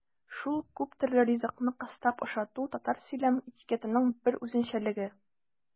Шул күптөрле ризыкны кыстап ашату татар сөйләм этикетының бер үзенчәлеге.